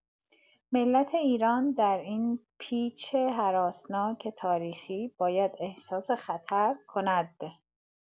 ملت ایران در این پیچ هراسناک تاریخی باید احساس خطر کند.